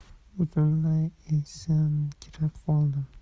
butunlay esankirab qoldim